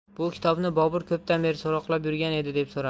bu kitobni bobur ko'pdan beri so'roqlab yurgan edi deb so'rardi